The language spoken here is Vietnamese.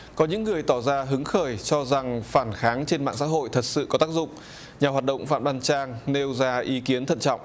có những người tỏ ra hứng khởi cho rằng phản kháng trên mạng xã hội thật sự có tác dụng nhà hoạt động phạm văn trang nêu ra ý kiến thận trọng